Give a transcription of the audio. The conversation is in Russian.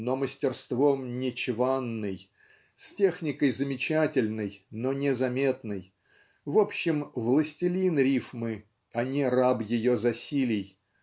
но мастерством не чванный с техникой замечательной но не заметной в общем властелин рифмы а не раб ее засилий